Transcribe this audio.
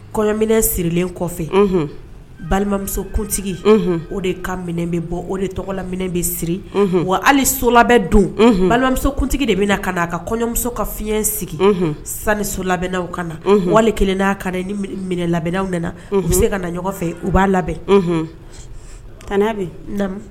Kɔɲɔminen sirilen kɔfɛ balimamusokuntigi o de ka minɛn bɔ o de tɔgɔ la minɛn bɛ siri wa hali so labɛn don balimamusokuntigi de bɛ na ka na a ka kɔɲɔmuso ka fiɲɛyɛn sigi sanuniso labɛnnaw kana na wali kelen'a ka ni minɛ labɛnw nana u bɛ se ka na ɲɔgɔnɔgɔ fɛ u b'a labɛn bɛ